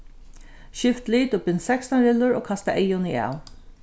skift lit og bint sekstan rillur og kasta eyguni av